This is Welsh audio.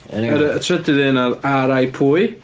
Y trydydd un oedd "RI Pwy."